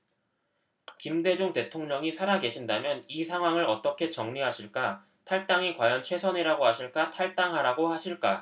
김대중 대통령이 살아계신다면 이 상황을 어떻게 정리하실까 탈당이 과연 최선이라고 하실까 탈당하라고 하실까